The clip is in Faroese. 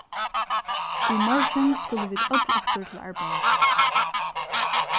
í morgin skulu vit øll aftur til arbeiðis